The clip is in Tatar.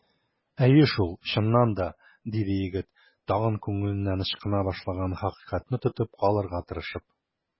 Әйе шул, чыннан да! - диде егет, тагын күңеленнән ычкына башлаган хакыйкатьне тотып калырга тырышып.